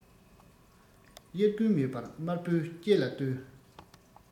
དབྱར དགུན མེད པར དམར པོའི ལྕེ ལ ལྟོས